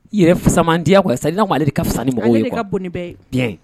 Yɛrɛ fa diyaya ko'' aleale ka fisa ka bɛ